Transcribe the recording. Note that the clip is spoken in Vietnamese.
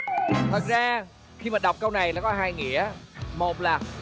thật ra khi mà đọc câu này nó có hai nghĩa một là